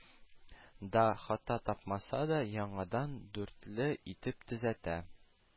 Да, хата тапмаса да, яңадан дүртле итеп төзәтә